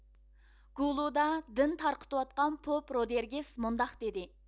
گۇلۇدادىن تارقىتىۋاتقان پوپ رودىرېگىس مۇنداق دېدى